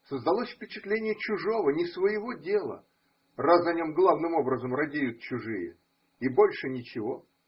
Создалось впечатление чужого, не своего дела, раз о нем главным образом радеют чужие. И больше ничего.